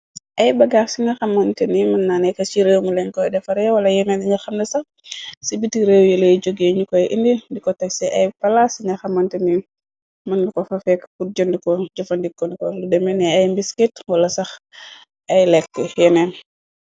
ay bagaax ci na xamante ni mën naneka ci réewmulenkoy defare wala yenen diña xamnd sax ci biti réew yalay jógee ñu koy indi ndiko teg ci ay palaas cina xamante ni mën ko fafeek but jënd ko jëfandikoniko lu deme nee ay mbiskate wala sax ay lekk yeneen.